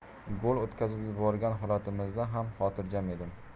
gol o'tkazib yuborgan holatimizda ham xotirjam edim